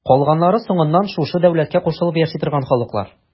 Калганнары соңыннан шушы дәүләткә кушылып яши торган халыклар.